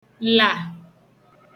là